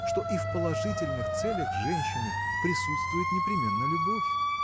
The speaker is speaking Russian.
что и в положительных целях женщины присутствует непременно любовь?.